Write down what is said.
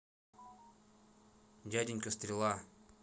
дяденька стрела